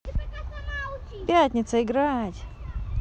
пятница играть